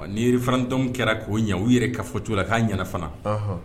Ni référendum kɛra k'o ɲɛ u yɛrɛ ka fɔ cogo la k'a ɲɛna fana